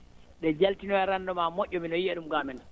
ɗe jaltinoya rendement moƴƴo mbiɗo yiya ɗum ga amen